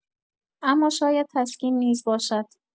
اما شاید تسکین نیز باشد.